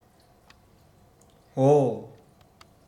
འོ